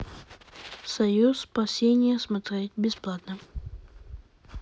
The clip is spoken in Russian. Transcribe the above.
союз спасения смотреть бесплатно